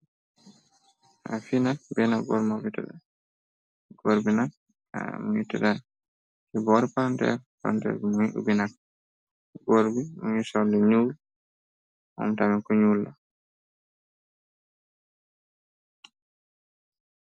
Fee nak bena goor teda goor bi nak muge teda ci bore palanterr palanterr bi muge obe nak goor bi muge sol lu ñuul mum tamim ku ñuul la.